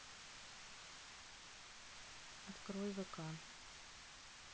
открой вк